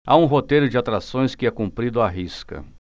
há um roteiro de atrações que é cumprido à risca